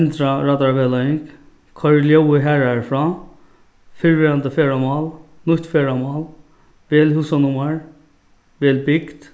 tendra raddarvegleiðing koyr ljóðið harðari frá fyrrverandi ferðamál nýtt ferðamál vel húsanummar vel bygd